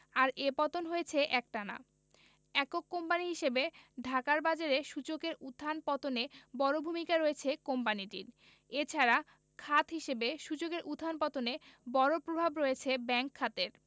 আর এ পতন হয়েছে একটানা একক কোম্পানি হিসেবে ঢাকার বাজারে সূচকের উত্থান পতনে বড় ভূমিকা রয়েছে কোম্পানিটির এ ছাড়া খাত হিসেবে সূচকের উত্থান পতনে বড় প্রভাব রয়েছে ব্যাংক খাতের